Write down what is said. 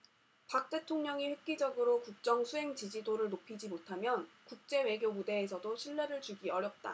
박 대통령이 획기적으로 국정수행지지도를 높이지 못하면 국제 외교 무대에서도 신뢰를 주기 어렵다